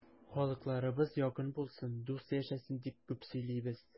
Халыкларыбыз якын булсын, дус яшәсен дип күп сөйлибез.